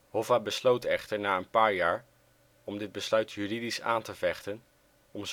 Hoffa besloot echter na een paar jaar om dit besluit juridisch aan te vechten om